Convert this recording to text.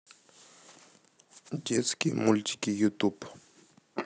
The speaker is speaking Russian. детские и мультики ютуб